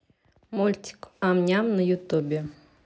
мультик ам ням на ютубе